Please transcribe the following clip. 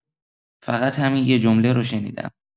فقط همین یه جمله رو شنیدم.